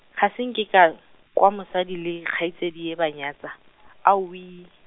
ga se nke ka, kwa mosadi le kgaetšedi ye ba nyatša, aowii.